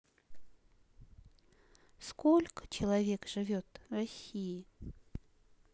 сколько человек живет в россии